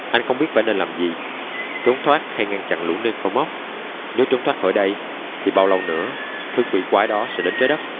anh không biết phải nên làm gì trốn thoát hay ngăn chặn lũ necromorph nếu trốn thoát khỏi đây thì bao lâu nữa thứ quỷ quái đó sẽ đến trái đất